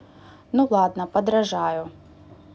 ну ладно подражаю